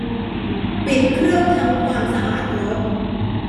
ปิดเครื่องทำความสะอาดรถ